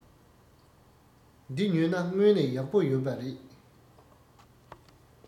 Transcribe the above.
འདི ཉོས ན སྔོན ནས ཡག པོ ཡོད པ རེད